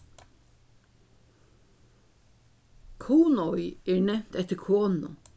kunoy er nevnt eftir konu